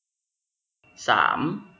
สาม